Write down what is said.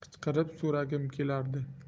qichqirib so'ragim kelardi